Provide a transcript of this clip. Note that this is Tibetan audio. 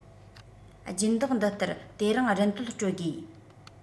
སྦྱིན བདག འདི ལྟར དེ རིང རིན དོད སྤྲོད དགོས